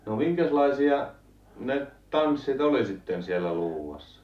no minkäslaisia ne tanssit oli sitten siellä luuvassa